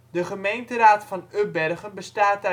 De gemeenteraad van Ubbergen bestaat